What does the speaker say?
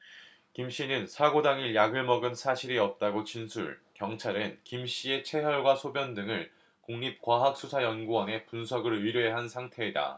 김씨는 사고 당일 약을 먹은 사실이 없다고 진술 경찰은 김씨의 채혈과 소변 등을 국립과학수사연구원에 분석을 의뢰한 상태이다